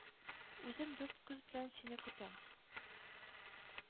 Үзем дүрт күз белән сине көтәм,